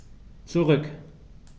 Zurück.